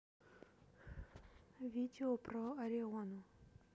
видео про ориону